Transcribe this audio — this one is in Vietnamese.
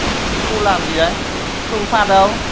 thế cô làm gì đấy tôi có phạt đâu